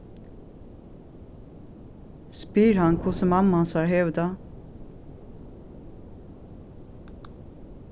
spyr hann hvussu mamma hansara hevur tað